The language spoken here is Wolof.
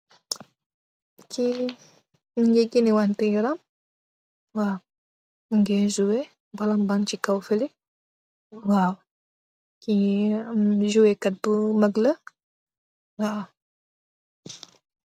Ki mogeh genewanteh yaram waw moge juwe ballon bang si kaw feleh waw ki juwe kat bu maag la waw.